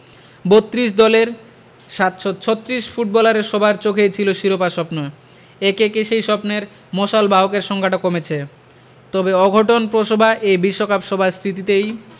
৩২ দলের ৭৩৬ ফুটবলারের সবার চোখেই ছিল শিরোপা স্বপ্ন একে একে সেই স্বপ্নের মশালবাহকের সংখ্যাটা কমেছে তবে অঘটনপ্রসবা এই বিশ্বকাপ সবার স্মৃতিতেই